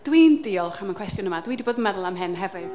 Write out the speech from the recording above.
Dwi'n diolch am y cwestiwn yma. Dwi 'di bod yn meddwl am hyn hefyd.